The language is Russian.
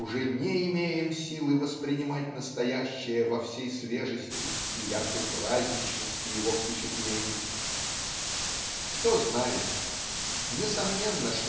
уже не имеем силы воспринимать настоящее во всей свежести и яркой праздничности его впечатлений? Кто знает? Несомненно